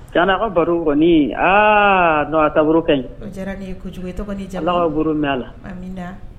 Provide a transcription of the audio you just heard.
Jan ka baro kɔni aa n' a tauru kɛ ɲi diyara ye kojugu jan mɛn la